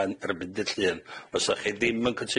Cynghorydd ni â Jeff Rees.